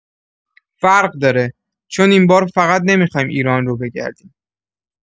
فرق داره، چون این بار فقط نمی‌خوایم ایران رو بگردیم.